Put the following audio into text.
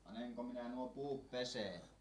Panenko minä nuo puup pesee?